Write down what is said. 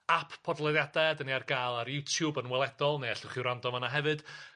App podlediade 'dan ni ar ga'l ar YouTube yn weledol neu allwch chi wrando fan 'na hefyd